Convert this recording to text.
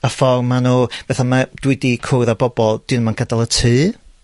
a ffor ma' nw betha 'ma, dwi 'di cwrdd â bobol 'dw nw 'im yn gadal y tŷ.